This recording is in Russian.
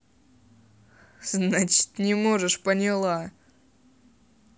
значит не можешь поняла